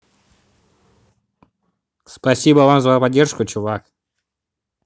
спасибо вам за поддержку чувак